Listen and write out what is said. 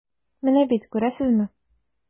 Менә бит, күрәсезме.